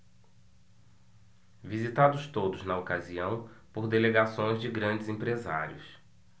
visitados todos na ocasião por delegações de grandes empresários